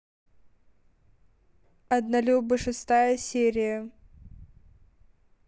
однолюбы шестая серия